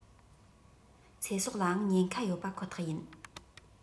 ཚེ སྲོག ལའང ཉེན ཁ ཡོད པ ཁོ ཐག ཡིན